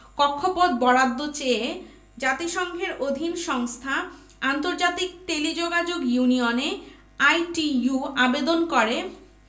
কক্ষপথ বরাদ্দ চেয়ে জাতিসংঘের অধীন সংস্থা আন্তর্জাতিক টেলিযোগাযোগ ইউনিয়নে আইটিইউ আবেদন করে